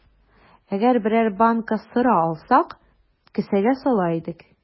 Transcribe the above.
Әгәр берәр банка сыра алсак, кесәгә сала идек.